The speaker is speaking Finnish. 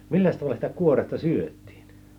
milläs tavalla sitä kuoretta syötiin